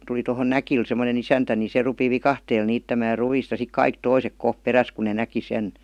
tuli tuohon Näkille semmoinen isäntä niin se rupesi viikatteella niittämään ruista ja sitten kaikki toiset kohta perässä kun ne näki sen